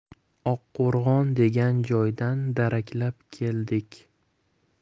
oqqo'rg'on degan joydan daraklab keldik